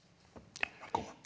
velkommen.